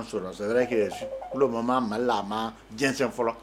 Mali diɲɛ fɔlɔ